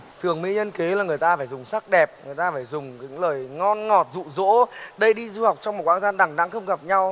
thường mỹ nhân kế là người ta phải dùng sắc đẹp người ta phải dùng những lời ngon ngọt dụ dỗ đây đi du học trong một quãng dài đằng đẵng không gặp nhau